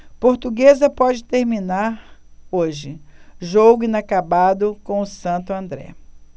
portuguesa pode terminar hoje jogo inacabado com o santo andré